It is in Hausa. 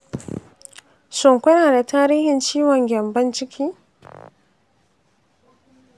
shin kuna da tarihin ciwon gyambon ciki